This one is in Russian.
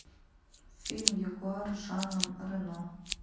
фильм ягуар с жаном рено